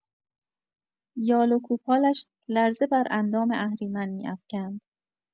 یال و کوپالش لرزه بر اندام اهریمن می‌افکند.